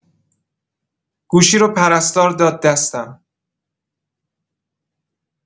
گوشی رو پرستار داد دستم.